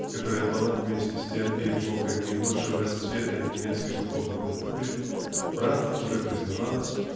которая была вместе с тем и эпохой наибольшего расцвета немецкой духовной культуры право уже признавалось .